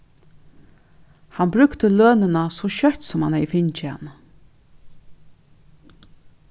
hann brúkti lønina so skjótt sum hann hevði fingið hana